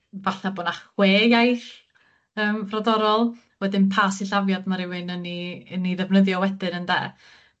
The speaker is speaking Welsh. falla bo' 'na chwe iaith yym brodorol, wedyn pa sillafiad ma' rywun yn 'i yn 'i ddefnyddio wedyn ynde?